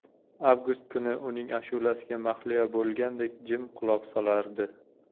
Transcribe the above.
avgust tuni uning ashulasiga mahliyo bo'lgandek jim quloq solardi